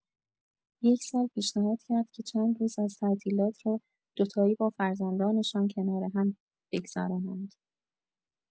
یک سال پیشنهاد کرد که چند روز از تعطیلات را دوتایی با فرزندانشان کنار هم بگذرانند.